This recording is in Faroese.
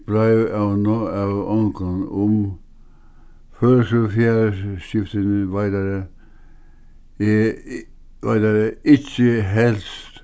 bleiv av ongum um føroyskur ikki heltst